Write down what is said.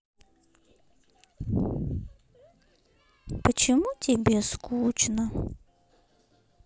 почему тебе скучно